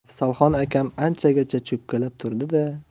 afzalxon akam anchagacha cho'kkalab turdi da